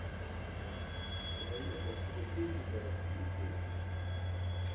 я уехал чтобы песни городские петь